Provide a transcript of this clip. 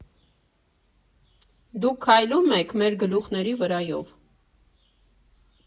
֊ Դուք քայլում եք մեր գլուխների վրայո՜վ։